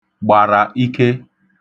gbàrà ike